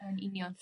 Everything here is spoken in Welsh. Yn union.